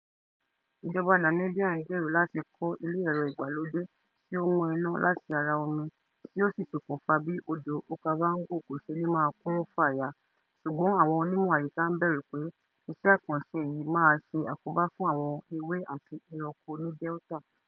Ìjọba Namibia ń gbèrò láti kọ́ ilé ẹ̀rọ ìgbàlódé tí ó mú iná láti ara omi tí yóò si ṣokùnfà bi odo Okavango kò ṣe ni máa kún fàya, ṣùgbọ́n àwọ́n onímọ̀ àyíká ń bẹ̀rù pé iṣẹ́ àkànṣe yìí máa ṣe àkóbá fún àwọn ewé àti ẹranko nì Delta.